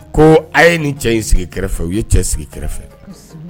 Ko a ye nin cɛ in sigi kɛrɛfɛ o ye cɛ sigi kɛrɛfɛ